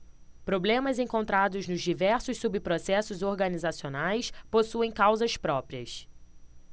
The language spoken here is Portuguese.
problemas encontrados nos diversos subprocessos organizacionais possuem causas próprias